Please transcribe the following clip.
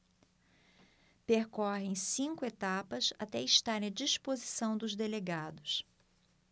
percorrem cinco etapas até estarem à disposição dos delegados